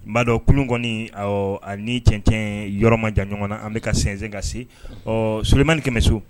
N b'a dɔn kulu kɔni a ni cɛnɛn yɔrɔ ma jan ɲɔgɔn na an bɛka ka sinsɛn ka se ɔ solimanini kɛmɛ bɛ so